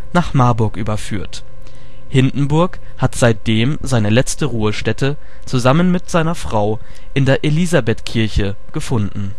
nach Marburg überführt. Hindenburg hat seitdem seine letzte Ruhestätte zusammen mit seiner Frau in der Elisabethkirche gefunden